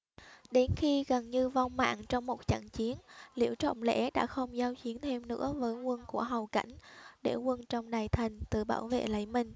đến khi gần như vong mạng trong một trận chiến liễu trọng lễ đã không giao chiến thêm nữa với quân của hầu cảnh để quân trong đài thành tự bảo vệ lấy mình